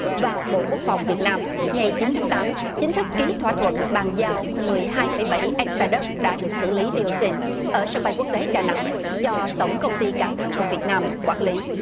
và bộ quốc phòng việt nam ngày chín tháng tám chính thức ký thỏa thuận bàn giao mười hai phẩy bảy éc ta đất đã được xử lý đi ô xin ở sân bay quốc tế đà nẵng cho tổng công ty cảng hàng không việt nam quản lý